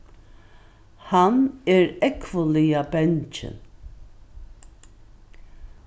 hann er ógvuliga bangin